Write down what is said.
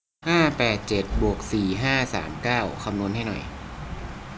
ห้าแปดเจ็ดบวกสี่ห้าสามเก้าคำนวณให้หน่อย